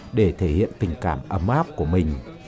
để thể hiện tình cảm ấm áp của mình